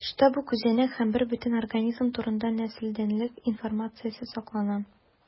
Төштә бу күзәнәк һәм бербөтен организм турында нәселдәнлек информациясе саклана.